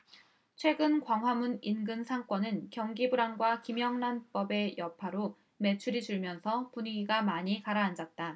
최근 광화문 인근 상권은 경기 불황과 김영란법의 여파로 매출이 줄면서 분위기가 많이 가라앉았다